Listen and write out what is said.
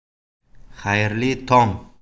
xayrli tong